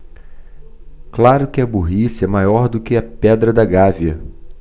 claro que a burrice é maior do que a pedra da gávea